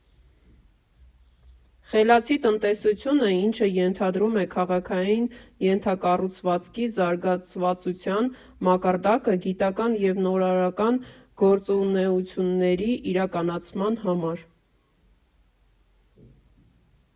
«Խելացի» տնտեսությունը, ինչը ենթադրում է քաղաքային ենթակառուցվածքի զարգացվածության մակարդակը գիտական և նորարարական գործունեությունների իրականացման համար,